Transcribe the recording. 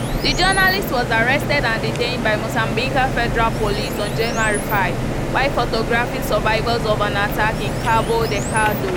The journalist was arrested and detained by Mozambican federal police on January 5, while photographing survivors of an attack in Cabo Delgado.